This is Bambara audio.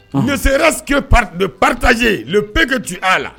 N se padjɛe bɛɛke a la